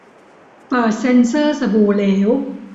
เปิดเซ็นเซอร์สบู่เหลว